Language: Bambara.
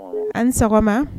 Allo ani sɔgɔma.